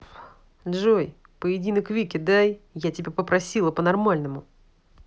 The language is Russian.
джой поединок вики дай я тебя попросила по нормальному